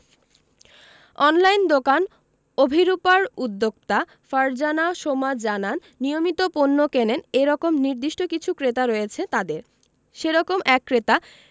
online দোকান অভিরুপার উদ্যোক্তা ফারজানা সোমা জানান নিয়মিত পণ্য কেনেন এ রকম নির্দিষ্ট কিছু ক্রেতা রয়েছে তাঁদের সে রকম এক ক্রেতা